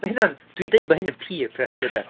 Ma hynna'n... dwi'n deud 'ma hyn yn peer pressure de.